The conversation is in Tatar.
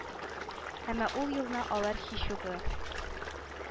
Әмма ул елны алар һичюгы